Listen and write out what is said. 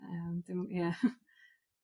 Yym dwi'm yn ie .